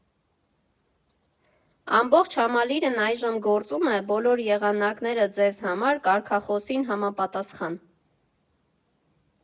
Ամբողջ համալիրն այժմ գործում է «Բոլոր եղանակները ձեզ համար» կարգախոսին համապատասխան։